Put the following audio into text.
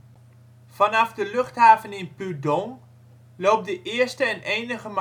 Vanaf de luchthaven in Pudong loopt de eerste en enige magneetzweeftrein-lijn